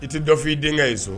I ti dɔ f'i deŋɛ ye so